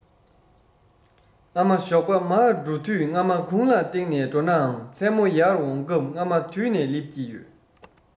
ཨ མ ཞོགས པར མར འགྲོ དུས རྔ མ དགུང ལ བཏེགས ནས འགྲོ ནའང མཚན མོ ཡར འོང སྐབས རྔ མ དུད ནས སླེབས ཀྱི ཡོད